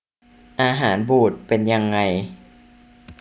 อาหารบูดเป็นยังไง